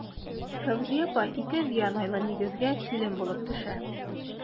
Фәүзия апа ике бианайлы нигезгә килен булып төшә.